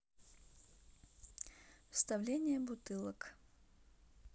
вставление бутылок